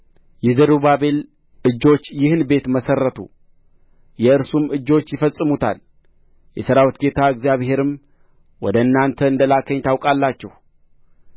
የዘሩባቤል እጆች ይህን ቤት መሠረቱ የእርሱም እጆች ይፈጽሙታል የሠራዊት ጌታ እግዚአብሔርም ወደ እናንተ እንደ ላከኝ ታውቃላችሁ